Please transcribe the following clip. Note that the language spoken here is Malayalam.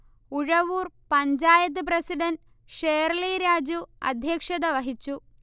ഉഴവൂർ പഞ്ചായത്ത് പ്രസിഡന്റ് ഷേർളി രാജു അധ്യക്ഷത വഹിച്ചു